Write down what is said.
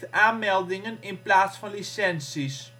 aanmeldingen in plaats van licenties